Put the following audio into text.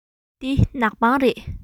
འདི ནག པང རེད